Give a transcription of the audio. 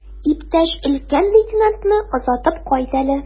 Иптәш өлкән лейтенантны озатып кайт әле.